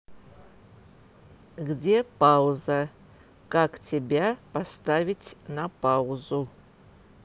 где пауза как тебя поставить на паузу